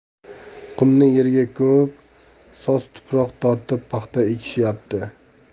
qumni yerga ko'mib soz tuproq tortib paxta ekishyapti